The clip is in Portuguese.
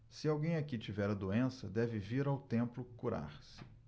se alguém aqui tiver a doença deve vir ao templo curar-se